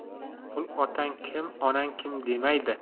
pul otang kim onang kim demaydi